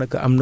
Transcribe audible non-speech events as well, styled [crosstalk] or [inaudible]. [hesitation] [hesitation]